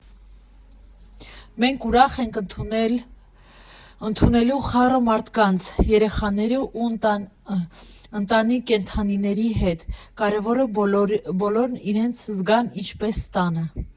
Մենք ուրախ ենք ընդունելու խառը մարդկանց՝ երեխաների ու ընտանի կենդանիների հետ, կարևորը բոլորն իրենց զգան ինչպես տանը»։